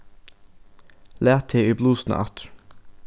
lat teg í blusuna aftur